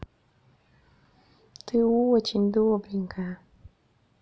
ты очень добренькая